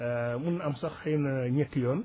mun na am sax xëy na ñetti yoon